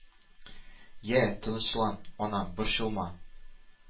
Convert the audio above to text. — я, тынычлан, анам, борчылма,